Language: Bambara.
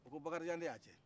o ko bakarijan de y'a ta